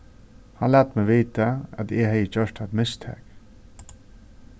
hann lat meg vita at eg hevði gjørt eitt mistak